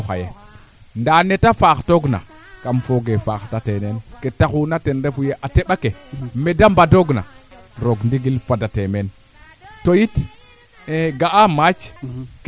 den de ngar a nduuf a ndefana teta ke a yas xa yas fasamb den a nduuf leek leek de ndeɓa cura leŋ leŋ kam xa cura ken areer ke ndaa koy